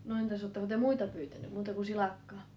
no entäs oletteko te muita pyytänyt muuta kuin silakkaa